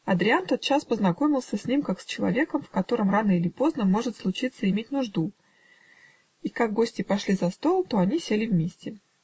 Адриян тотчас познакомился с ним, как с человеком, в котором рано пли поздно может случиться иметь нужду, и как гости пошли за стол, то они сели вместе.